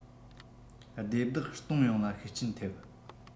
སྡེ བདག གཏོང ཡོང ལ ཤུགས རྐྱེན ཐེབས